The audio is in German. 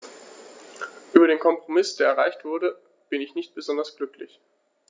Über den Kompromiss, der erreicht wurde, bin ich nicht besonders glücklich.